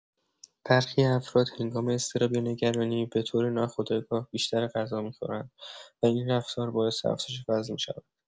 برخی افراد هنگام اضطراب یا نگرانی به‌طور ناخودآگاه بیشتر غذا می‌خورند و این رفتار باعث افزایش وزن می‌شود.